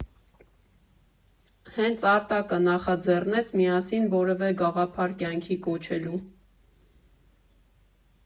Հենց Արտակը նախաձեռնեց միասին որևէ գաղափար կյանքի կոչելու։